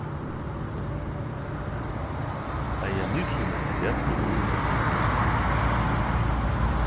а я мысленно тебя целую